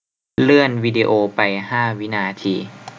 เลื่อนวีดีโอไปห้าวินาที